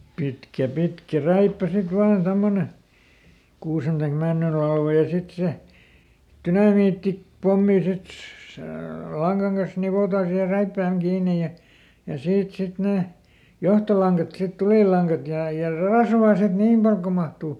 pitkä pitkä räippä sitten vain tuommoinen kuusen tai männyn latva ja sitten se - dynamiittipommi sitten se langan kanssa nivotaan siihen räippään kiinni ja ja siitä sitten ne johtolangat sitten tulilangat ja ja rasvaa sitten niin paljon kuin mahtuu